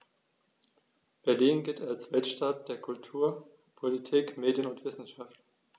Berlin gilt als Weltstadt der Kultur, Politik, Medien und Wissenschaften.